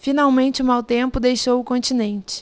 finalmente o mau tempo deixou o continente